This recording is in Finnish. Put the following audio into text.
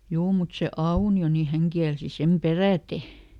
juu mutta se Aunio niin hän kielsi sen peräten